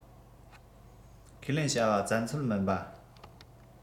ཁས ལེན བྱ བ བཙལ འཚོལ མིན པ